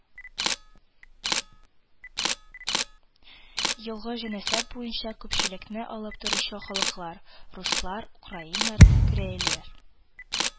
Елгы җанисәп буенча күпчелекне алып торучы халыклар: руслар, украиннар , кореялеләр